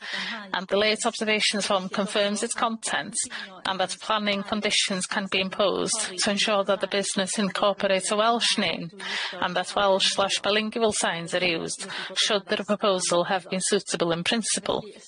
And the late observations form confirms its content and that planning conditions can be imposed to ensure that the business incorporates a Welsh name and that Welsh slash bilingual signs are used should the r- proposal have been suitable in principle.